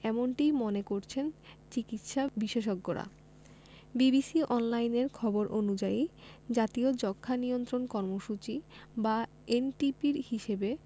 এমনটিই মনে করছেন চিকিৎসাবিশেষজ্ঞরা বিবিসি অনলাইনের খবর অনুযায়ী জাতীয় যক্ষ্মা নিয়ন্ত্রণ কর্মসূচি বা এনটিপির হিসেবে